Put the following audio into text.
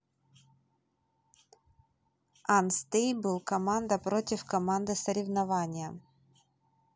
unstable команда против команды соревнования